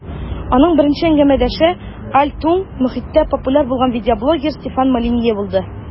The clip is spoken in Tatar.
Аның беренче әңгәмәдәше "альт-уң" мохиттә популяр булган видеоблогер Стефан Молинье булды.